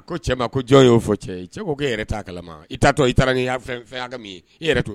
Jɔn y'o fɔ cɛ i